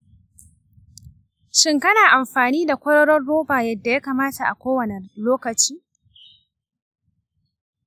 shin kana amfani da kwaroron roba yadda ya kamata a kowane lokaci?